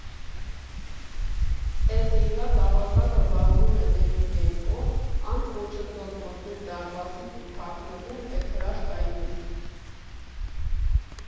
Էս զինված ավազակը վազում է դեպի Կենտկոմ, անխոչնդոտ մտնում դարպասից ու թաքնվում էտ հրաշք այգում։